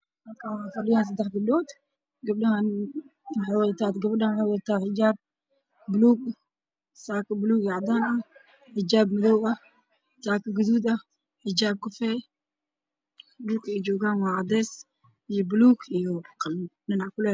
Waa gabdho meel fadhiya mid waxaa xijaab guduud xijaa madow xijaabuluug